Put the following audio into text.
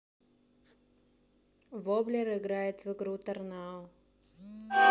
воблер играет в игру торнау